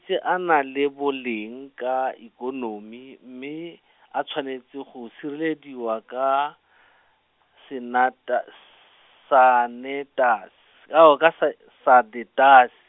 tse a na le boleng ka ikonomi mme, a tshwanetse go sirelediwa ka , senatas-, sanetas-, ka sa-, sadetas-.